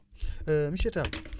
monsieur Tall